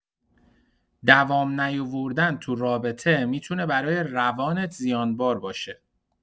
دوام نیوردن تو رابطه می‌تونه برای روانت زیانبار باشه.